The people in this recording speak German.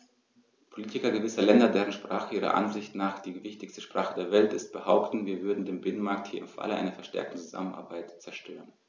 Politiker gewisser Länder, deren Sprache ihrer Ansicht nach die wichtigste Sprache der Welt ist, behaupten, wir würden den Binnenmarkt hier im Falle einer verstärkten Zusammenarbeit zerstören.